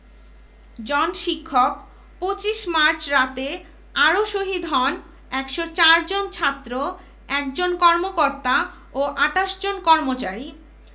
জন শিক্ষক ২৫ মার্চ রাতে আরো শহীদ হন ১০৪ জন ছাত্র ১ জন কর্মকর্তা ও ২৮ জন কর্মচারী